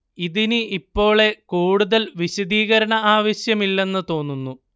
ഇതിനി ഇപ്പോളെ കൂടുതല്‍ വിശദീകരണ ആവശ്യമില്ലെന്ന് തോന്നുന്നു